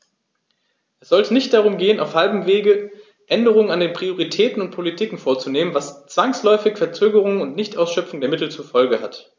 Es sollte nicht darum gehen, auf halbem Wege Änderungen an den Prioritäten und Politiken vorzunehmen, was zwangsläufig Verzögerungen und Nichtausschöpfung der Mittel zur Folge hat.